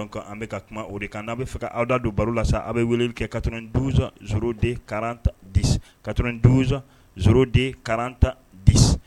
Donc an bɛ ka kuma o de kan. N'a bɛ fɛ ka aw da don baro la sa, a bɛ weleli kɛ 92 02 40 10, 92 02 40 10